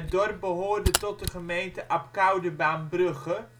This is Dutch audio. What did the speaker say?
dorp behoorde tot de gemeente Abcoude-Baambrugge